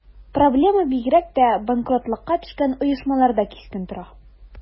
Проблема бигрәк тә банкротлыкка төшкән оешмаларда кискен тора.